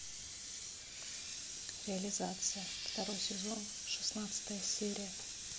реализация второй сезон шестнадцатая серия